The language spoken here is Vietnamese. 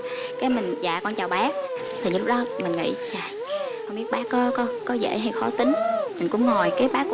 cái mình dạ con chào bác thì lúc đó mình nghĩ chà không biết bác có có có dễ hay khó tính mình cũng ngồi cái bác